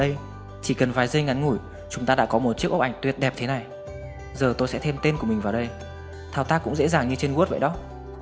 đây chỉ cần vài giây ngắn ngủi chúng ta đã có một chiếc ốp ảnh tuyệt đẹp thế này giờ tôi sẽ thêm tên của mình vào đây thao tác cũng dễ dàng như trên word vậy đó